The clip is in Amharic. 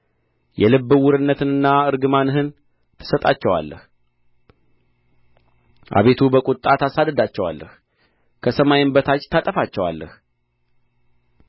የልብ ዕውርነትንና እርግማንህን ትሰጣቸዋለህ አቤቱ በቍጣ ታሳድዳቸዋለህ ከሰማይም በታች ታጠፋቸዋለህ